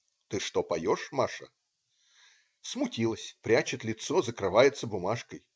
"Ты что поешь, Маша?" Смутилась, прячет лицо, закрывается бумажкой.